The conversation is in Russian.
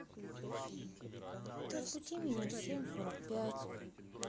разбуди меня в семь сорок пять